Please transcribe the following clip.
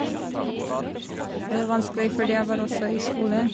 Det var vanskelig, fordi jeg var også i skolen.